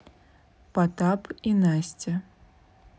потап и настя